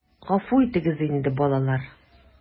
Гафу итегез инде, балалар...